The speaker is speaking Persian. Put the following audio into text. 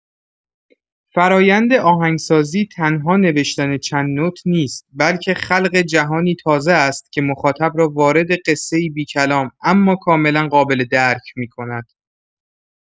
فرایند آهنگسازی تنها نوشتن چند نت نیست بلکه خلق جهانی تازه است که مخاطب را وارد قصه‌ای بی‌کلام اما کاملا قابل‌درک می‌کند.